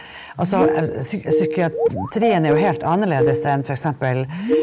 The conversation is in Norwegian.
altså jeg psykiatrien er jo helt annerledes enn for eksempel.